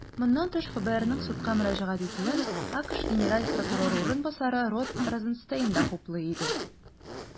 Моннан тыш, ФБРның судка мөрәҗәгать итүен АКШ генераль прокуроры урынбасары Род Розенстейн да хуплый иде.